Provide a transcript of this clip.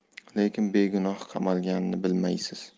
lekin begunoh qamalganini bilmaysiz